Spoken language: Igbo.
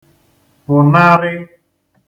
pụ̀narị